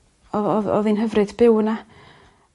O- odd odd 'i'n hyfryd byw yna.